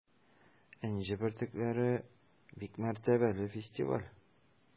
“энҗе бөртекләре” - бик мәртәбәле фестиваль.